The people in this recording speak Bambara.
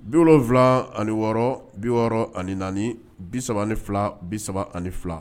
Bifila ani wɔɔrɔ bi wɔɔrɔ ani naani bi3 ni fila bi3 ani fila